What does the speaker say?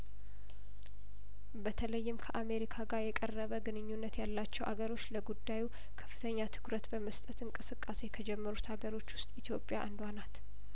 በተለይም ከአሜሪካ ጋር የቀረበግንኙነት ያላቸው አገሮች ለጉዳዩ ከፍተኛ ትኩረት በመስጠት እንቅስቃሴ ከጀመሩት አገሮች ውስጥ ኢትዮጵያ አንዷ ነች